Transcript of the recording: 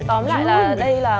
tóm lại là đây là